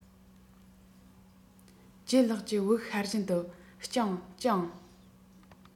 ལྗད ལགས ཀྱིས དབུགས ཧལ བཞིན དུ སྤྱང སྤྱང